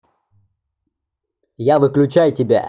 я выключай тебя